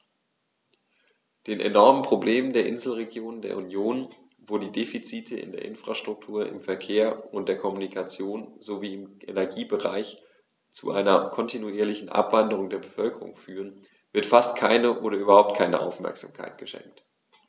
Den enormen Problemen der Inselregionen der Union, wo die Defizite in der Infrastruktur, im Verkehr, in der Kommunikation sowie im Energiebereich zu einer kontinuierlichen Abwanderung der Bevölkerung führen, wird fast keine oder überhaupt keine Aufmerksamkeit geschenkt.